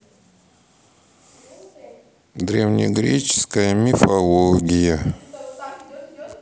древнегреческая мифология